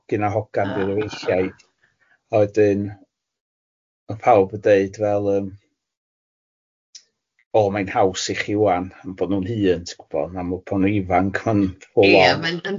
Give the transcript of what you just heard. Hogyn a hogan di'r efeilliaid a wedyn ma' pawb yn deud fel yym o, mae'n haws i chi ŵan am bod nhw'n hŷn ti'n gwybod na ma' pan ma' nhw'n ifanc ma'n full on... Ie mae'n yndi.